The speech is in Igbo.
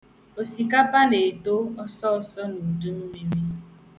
Osikapa na-eto ọsọọsọ n'udummiri.